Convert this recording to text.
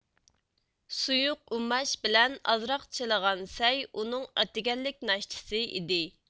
سۇيۇق ئۇماش بىلەن ئازراق چىلىغان سەي ئۇنىڭ ئەتىگەنلىك ناشتىسى ئىدى